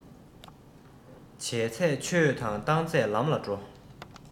བྱས ཚད ཆོས དང བཏང ཚད ལམ ལ འགྲོ